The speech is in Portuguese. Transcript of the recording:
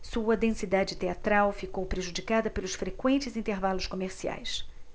sua densidade teatral ficou prejudicada pelos frequentes intervalos comerciais